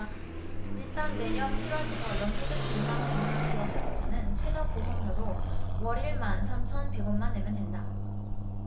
일단 내년 칠 월부터 연소득 백 만원 이하 지역가입자는 최저보험료로 월 일 만 삼천 백 원만 내면 된다